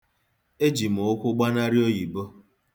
Eji m ụkwụ gbanarị oyibo.